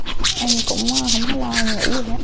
em cũng không có lo nghĩ gì hết